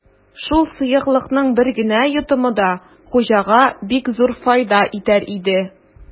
Шул сыеклыкның бер генә йотымы да хуҗага бик зур файда итәр иде.